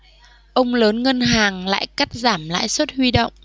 ông lớn ngân hàng lại cắt giảm lãi suất huy động